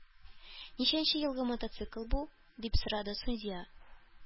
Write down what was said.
Ничәнче елгы мотоцикл бу? – дип сорады судья.